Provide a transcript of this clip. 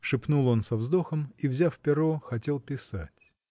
— шепнул он со вздохом и, взяв перо, хотел писать.